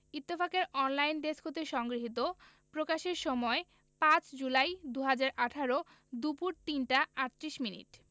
ইত্তফাকের online desk হতে সংগৃহীত প্রকাশের সময় ৫ জুলাই ২০১৮ দুপুর ৩টা ৩৮ মিনিট